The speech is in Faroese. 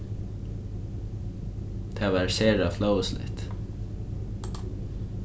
tað var sera flovisligt